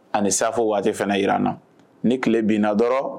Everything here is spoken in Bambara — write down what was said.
A ni safo waati fana jiraran na ni tile binna dɔrɔn